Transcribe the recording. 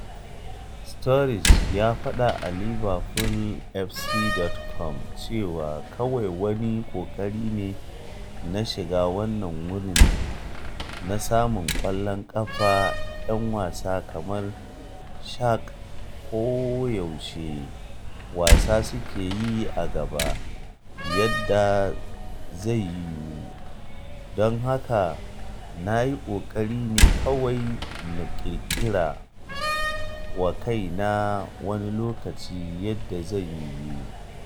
Sturridge ya faɗa a LiverpoolFC.com cewa “Kawai wani ƙoƙari ne na shiga wannan wurin, na samun ƙwallon kuma ‘yan wasa kamar Shaq koyaushe wasa suke yi a gaba yadda zai yiwu, don haka na yi ƙoƙari ne kawai na ƙirƙira wa kaina wani lokaci yadda zai yiwu.”